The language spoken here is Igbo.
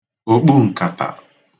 okpuǹkàtà